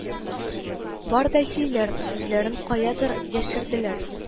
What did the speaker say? Бар да сөйләр сүзләрен каядыр яшерделәр